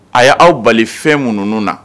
A y' aw bali fɛn munun na